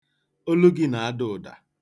Olu gị na-ada ụda.